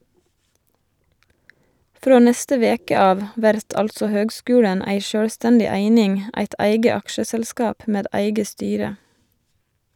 Frå neste veke av vert altså høgskulen ei sjølvstendig eining, eit eige aksjeselskap med eige styre.